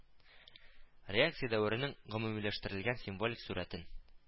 Реакция дәверенең гомумиләштерелгән символик сурәтен